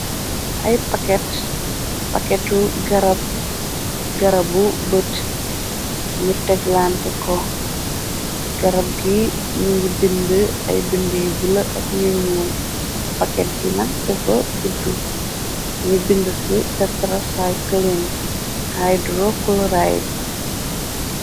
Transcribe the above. Ay paket, paketu garab, garabu bët ni teglante ko, garab gi ni ngi bind ay bind yu bula ak yu ñuul, paket bi nak defa guddu ñu bind ci tetracyclaine hydrocoloride.